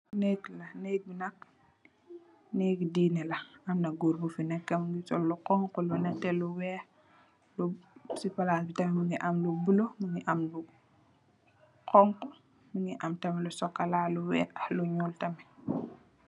Neek la, neek nak neek dineh la. Amna goor bu fa neka sol lu xonxo, lu nete, weex. Ci palase bi mungi am lu bulo, mungi am lu xonxo, mungi am lu sokola , lu weex ak nuul tamit.